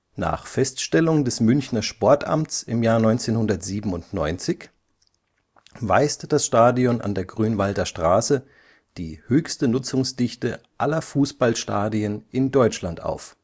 Nach Feststellung des Münchner Sportamts im Jahr 1997 weist das Stadion an der Grünwalder Straße „ die höchste Nutzungsdichte aller Fußballstadien in Deutschland “auf